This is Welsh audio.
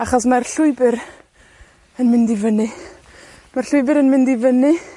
Achos mae'r llwybyr yn mynd i fyny. Mae'r llwybyr yn mynd i fyny